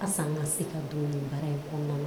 A san se ka don nin baara ye bɔ